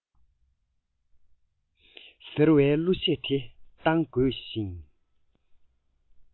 ཟེར བའི གླུ གཞས དེ གཏང དགོས ཤིང